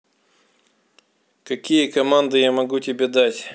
какие команды я могу тебе дать